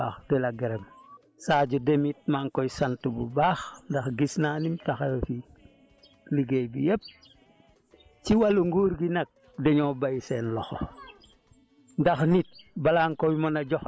sant naa la Aliou Sow yow bu baax a baax di la gërëm Sadio tamit maa ngi koy sant bu baax ndax gis naa nim taxawee si liggéey bi yëpp ci wàllu nguur gi nag dañoo bàyyi seen loxo